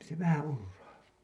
- se vähän urraa